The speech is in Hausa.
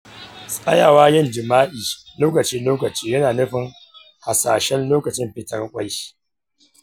tsayawa jima’i lokaci-lokaci yana nufin hasashen lokacin fitar ƙwai.